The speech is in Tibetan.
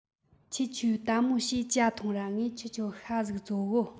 ཁྱེད ཆོས དལ མོ བྱོས ཇ ཐུངས ར ངས ཁྱེད ཆོའ ཤ ཟིག བཙོ གོ